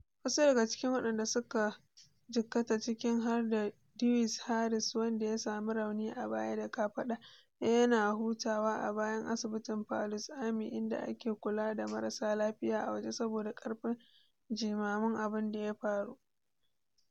Wasu daga cikin waɗanda suka jikkata, cikinsu har da Dwi Haris, wanda ya sami rauni a baya da kafada, yana hutawa a bayan asibitin Palu’s Army, inda ake kula da marasa lafiya a waje saboda karfin Jiamamin abun da ya faru.